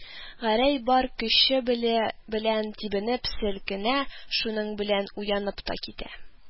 Гәрәй бар көче белән тибенеп селкенә, шуның белән уянып та китә